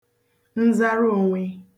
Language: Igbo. nzaroònwe